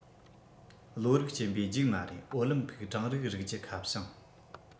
བློ རིག སྐྱེན པོའི རྒྱུགས མ རེད ཨོ ལིམ ཕིག གྲངས རིག རིགས ཀྱི ཁ བྱང